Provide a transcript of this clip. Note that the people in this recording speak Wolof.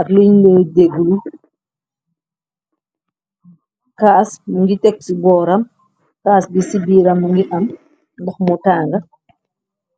ak luñu luu dégglu caas mu ngi teg ci gooram caas bi ci biiram ngi am ndox mu tanga.